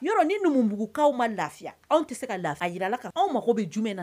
Yɔrɔ ni numuum bbugukaw ma lafiya anw tɛ se ka lafi jirala kan anw mago bɛ jumɛn na